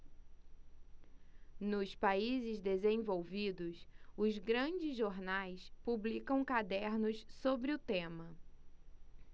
nos países desenvolvidos os grandes jornais publicam cadernos sobre o tema